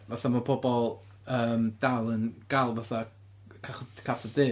Fatha mae pobl yym dal yn gael fatha cach- cathod du.